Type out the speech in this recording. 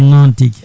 noon tigui